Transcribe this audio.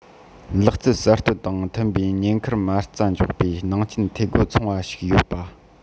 ལག རྩལ གསར གཏོད དང མཐུན པའི ཉེན འཁུར མ རྩ འཇོག པའི ནང རྐྱེན འཐུས སྒོ ཚང བ ཞིག ཡོད པ